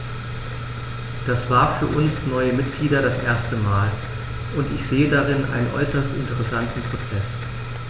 Das war für uns neue Mitglieder das erste Mal, und ich sehe darin einen äußerst interessanten Prozess.